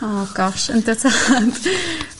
o gosh yndw tad